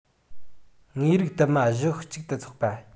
ངོས རིགས དུ མ གཞི གཅིག ཏུ ཚོགས པ